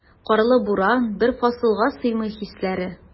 Карлы буран, бер фасылга сыймый хисләре.